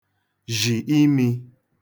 zì imī